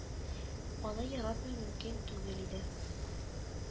Аны яратмый мөмкин түтел иде